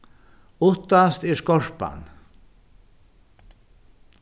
uttast er skorpan